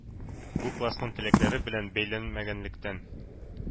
Бу классның теләкләре белән бәйләнмәгәнлектән,